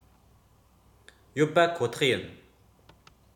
ཡོད པ ཁོ ཐག ཡིན